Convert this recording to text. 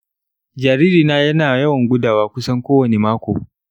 jaririna yana yawan gudawa kusan kowane mako.